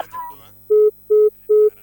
Wa